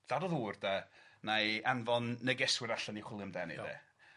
Dal dy ddŵr de wna i anfon negeswyr allan i chwilio amdani de. Iawn.